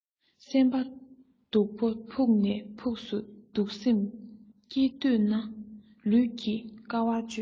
སེམས པ སྡུག པ ཕུགས ནས ཕུགས སུ སྡུག སེམས སྐྱིད འདོད ན ལུས ཀྱིས དཀའ བ སྤྱོད